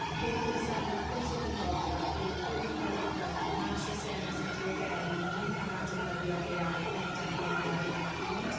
Y peth pwysag i... pwysig i cofio yw wrth i fe datblygu, mae'r systemau sy'n diogelu ni ar ran defnyddio AI yn datblygu ar yr un pryd.